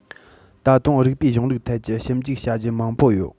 ད དུང རིགས པའི གཞུང ལུགས ཐད ཀྱི ཞིབ འཇུག བྱ རྒྱུ མང པོ ཡོད